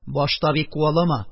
Башта бик каулама,